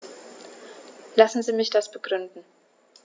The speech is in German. Lassen Sie mich das begründen.